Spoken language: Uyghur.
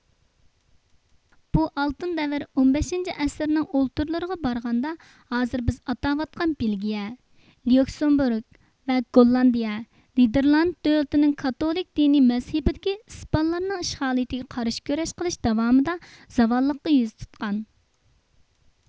بۇ ئالتۇن دەۋر ئون بەشىنچى ئەسىرنىڭ ئوتتۇرىلىرىغا بارغاندا ھازىر بىز ئاتاۋاتقان بېلگىيە ليۇكسېمبۇرگ ۋە گوللاندىيە نېدېرلاند دۆلىتىنىڭ كاتولىك دىنىي مەزھىپىدىكى ئىسپانلارنىڭ ئىشغالىيىتىگە قارشى كۈرەش قىلىش داۋامىدا زاۋاللىققا يۈز تۇتقان